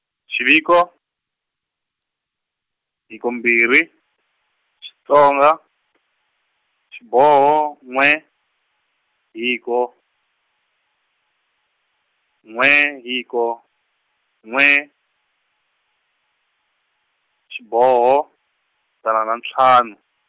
xiviko, hiko mbirhi, Xitsonga , xiboho n'we, hiko, n'we hiko, n'we, xiboho, dzana na ntlhanu.